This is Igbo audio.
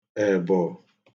èbọ̀